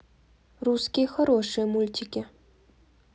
русские хорошие мультики